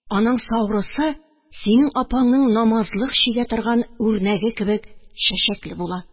Аның саурысы синең апаңның намазлык чигә торган үрнәге кебек чәчәкле була.